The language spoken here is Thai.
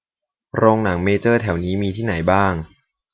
โรงหนังเมเจอร์แถวนี้มีที่ไหนบ้าง